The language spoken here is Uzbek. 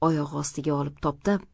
oyog'i ostiga olib toptab